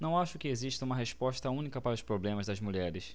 não acho que exista uma resposta única para os problemas das mulheres